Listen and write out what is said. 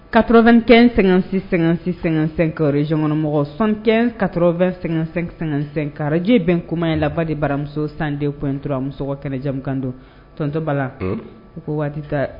Kato2ɛn--sɛ-sɛ--sɛka zkɔnmɔgɔ 1ɛn kato2---karajɛe bɛn kuma in laba de baramuso sanden kun dɔrɔnmuso kɛnɛja kan don tɔnontɔba la u ko waati tɛ